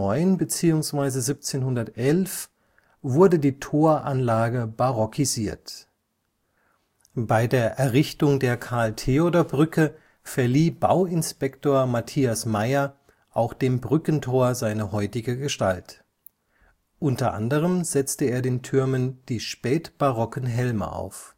1709 / 11 wurde die Toranlage barockisiert. Bei der Errichtung der Carl-Theodor-Brücke verlieh Bauinspektor Mathias Maier auch dem Brückentor seine heutige Gestalt, unter anderem setzte er den Türmen die spätbarocken Helme auf